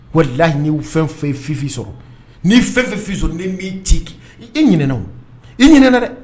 Wa la' fɛn fifin sɔrɔ ni fɛn fɛn fi sɔrɔ ni'i ci i ɲin o i ɲin dɛ dɛ